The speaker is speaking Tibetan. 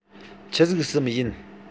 ཆི ཟིག གསུམ ཡིན